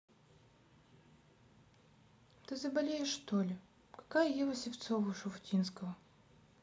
ты заболеешь что ли какая ева сивцова у шуфутинского